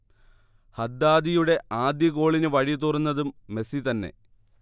ഹദ്ദാദിയുടെ ആദ്യ ഗോളിന് വഴി തുറന്നതും മെസ്സി തന്നെ